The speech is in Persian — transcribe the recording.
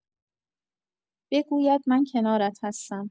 بگوید من کنارت هستم.